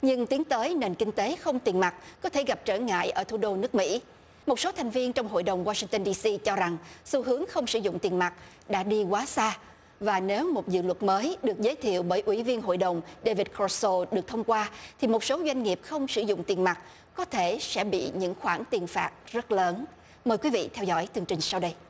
nhưng tiến tới nền kinh tế không tiền mặt có thể gặp trở ngại ở thủ đô nước mỹ một số thành viên trong hội đồng washington đi si cho rằng xu hướng không sử dụng tiền mặt đã đi quá xa và nếu một dự luật mới được giới thiệu bởi ủy viên hội đồng để vượt khó sâu được thông qua thì một số doanh nghiệp không sử dụng tiền mặt có thể sẽ bị những khoản tiền phạt rất lớn mời quý vị theo dõi tường trình sau đây